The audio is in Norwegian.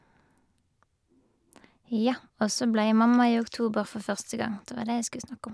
Ja, og så ble jeg mamma i oktober for første gang, det var det jeg skulle snakke om.